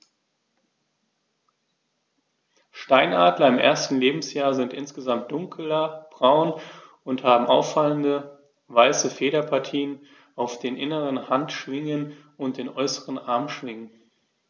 Steinadler im ersten Lebensjahr sind insgesamt dunkler braun und haben auffallende, weiße Federpartien auf den inneren Handschwingen und den äußeren Armschwingen.